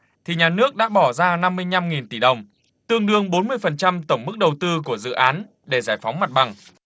thì nhà nước đã bỏ ra năm mươi nhăm nghìn tỷ đồng tương đương bốn mươi phần trăm tổng mức đầu tư của dự án để giải phóng mặt bằng